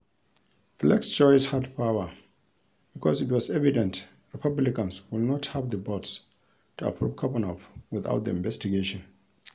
Flake's choice had power, because it was evident Republicans would not have the votes to approve Kavanaugh without the investigation.